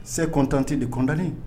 Se kɔntan tɛ de kɔntan